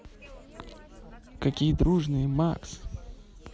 какие дружные макс